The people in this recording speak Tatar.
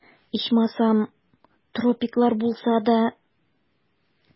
Ичмасам, тропиклар булса да...